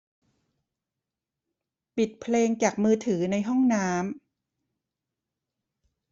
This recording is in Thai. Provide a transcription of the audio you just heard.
ปิดเพลงจากมือถือในห้องน้ำ